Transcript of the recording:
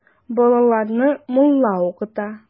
Балаларны мулла укыта.